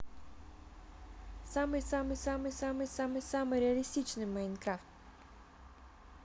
самый самый самый самый самый самый реалистичный minecraft